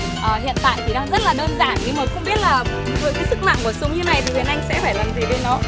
ờ hiện tại thì đang rất là đơn giản nhưng mà không biết là với cái sức nặng của súng như này thì huyền anh sẽ phải làm gì với nó